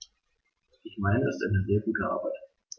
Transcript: Ich meine, es ist eine sehr gute Arbeit.